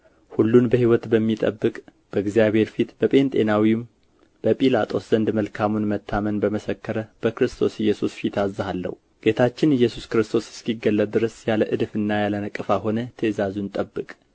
ሁሉን በሕይወት በሚጠብቅ በእግዚአብሔር ፊት በጴንጤናዊውም በጲላጦስ ዘንድ መልካሙን መታመን በመሰከረ በክርስቶስ ኢየሱስ ፊት አዝሃለሁ ጌታችን ኢየሱስ ክርስቶስ እስኪገለጥ ድረስ ያለ እድፍና ያለ ነቀፋ ሆነህ ትእዛዙን ጠብቅ